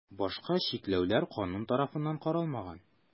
Башка чикләүләр канун тарафыннан каралмаган.